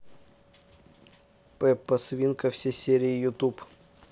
пеппа свинка все серии ютуб